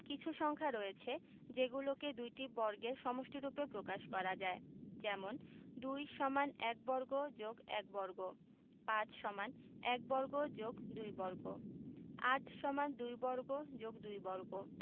কিছু সংখ্যা রয়েছে যেগুলোকে দুইটি বর্গের সমষ্টিরুপে প্রকাশ করা যায় যেমনঃ ২ = ১ বর্গ + ১ বর্গ ৫ = ১ বর্গ + ২ বর্গ ৮ = ২ বর্গ + ২ বর্গ